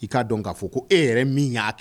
I k'a dɔn k'a fɔ k’e yɛrɛ min y'a kɛ